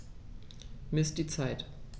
Miss die Zeit.